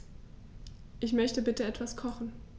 Ich möchte bitte etwas kochen.